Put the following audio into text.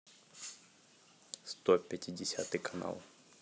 сто пятидесятый канал